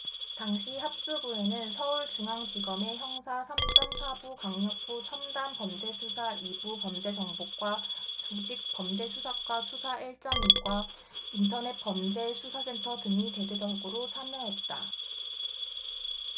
당시 합수부에는 서울중앙지검의 형사 삼 쩜 사 부 강력부 첨단범죄수사 이 부 범죄정보과 조직범죄수사과 수사 일 쩜 이 과 인터넷범죄수사센터 등이 대대적으로 참여했다